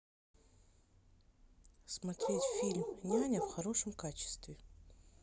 смотреть фильм няня в хорошем качестве